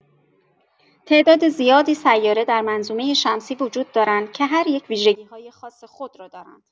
تعداد زیادی سیاره در منظومه شمسی وجود دارند که هر یک ویژگی‌های خاص خود را دارند.